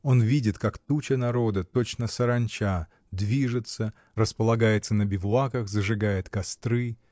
Он видит, как туча народа, точно саранча, движется, располагается на бивуаках, зажигает костры